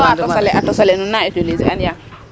So a tos ale, a tos ale nu na utiliser an yaam,